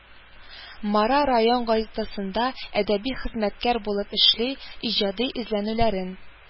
Мара район газетасында әдәби хезмәткәр булып эшли, иҗади эзләнүләрен